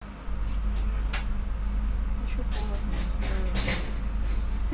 ищу повод не настроился